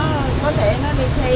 đi theo